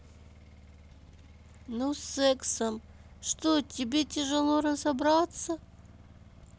ну с сексом что тебе тяжело разобраться